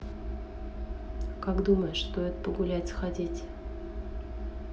как думаешь стоит погулять сходить